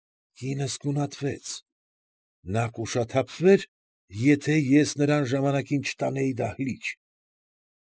Կինս գունատվեց։ Նա կուշաթափվեր, եթե ես նրան ժամանակին չտանեի դահլիճ։